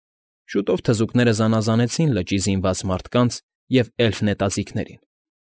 Շուտով թզուկները զանազանեցին լճի զինված մարդկանց և էլֆ նետաձիգներին։